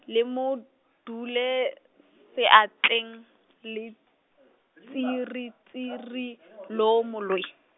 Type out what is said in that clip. le mo, dule, seatleng, letsiritsiri loo moloi.